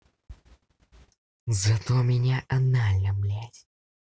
зато меня анально блядь